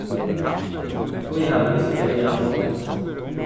hví havi eg ilt í eyganum